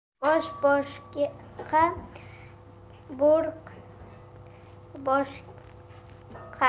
bosh boshqa bo'rk boshqa